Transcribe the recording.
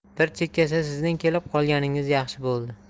bir chekkasi sizning kelib qolganingiz yaxshi bo'ldi